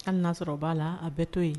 Halia'a sɔrɔ b'a la a bɛ to yen